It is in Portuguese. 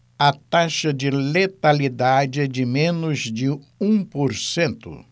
a taxa de letalidade é de menos de um por cento